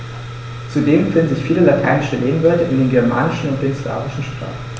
Zudem finden sich viele lateinische Lehnwörter in den germanischen und den slawischen Sprachen.